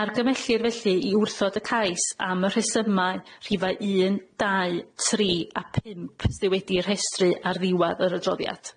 Argymellir felly i wrthod y cais am y rhesyma rhifa un dau tri a pump sy wedi'i rhestru ar ddiwadd yr adroddiad.